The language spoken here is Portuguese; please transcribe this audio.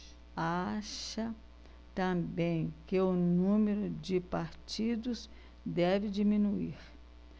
acha também que o número de partidos deve diminuir